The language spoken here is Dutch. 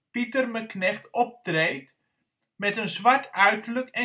Pieter-me-knecht optreedt met een zwart uiterlijk